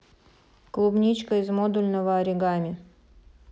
клубничка из модульного оригами